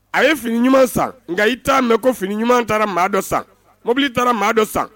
A ye fini ɲumanuma san nka i t'a mɛn ko fini ɲuman taara maa dɔ san mobili taara maa dɔ san